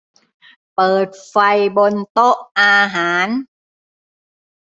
เปิดไฟบนโต๊ะอาหาร